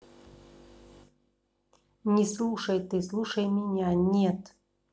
не слушай ты слушай меня нет